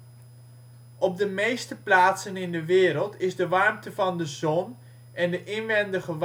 de meeste plaatsen in de wereld is de warmte van de zon en de inwendige